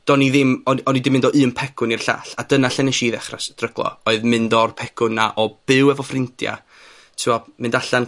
do'n i ddim o'n o'n i 'di mynd o un pegwn i'r llall, a dyna lle nesh i ddechra stryglo, odd mynd o'r pegwn 'na o byw efo ffrindia, t'mo', mynd allan,